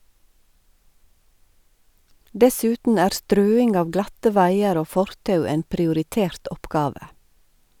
Dessuten er strøing av glatte veier og fortau en prioritert oppgave.